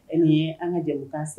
E ye an ka jɛ u' se